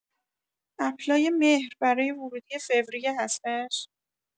اپلای مهر برای ورودی فوریه هستش؟